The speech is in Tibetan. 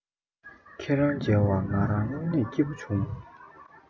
ཁྱེད རང འཇལ བར ང རང སྔོན ནས སྐྱིད པོ བྱུང